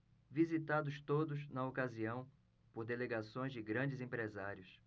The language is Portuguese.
visitados todos na ocasião por delegações de grandes empresários